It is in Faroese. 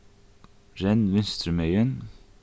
renn vinstrumegin